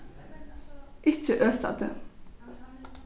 ikki øsa teg